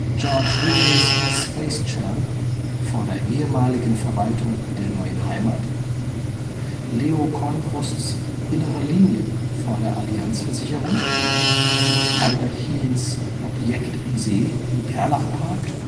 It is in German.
George Rickeys „ Space Churn “(1972) vor der ehemaligen Verwaltung der Neuen Heimat, Leo Kornbrusts „ Innere Linie “(1981) vor der Allianz-Versicherung, Albert Hiens „ Objekt im See “im Perlach-Park